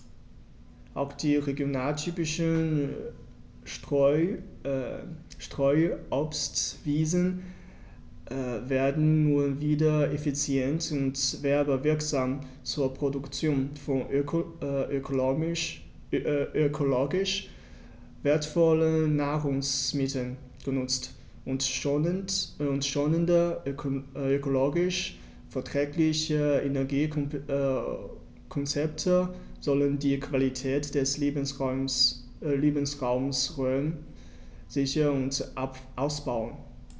Auch die regionaltypischen Streuobstwiesen werden nun wieder effizient und werbewirksam zur Produktion von ökologisch wertvollen Nahrungsmitteln genutzt, und schonende, ökologisch verträgliche Energiekonzepte sollen die Qualität des Lebensraumes Rhön sichern und ausbauen.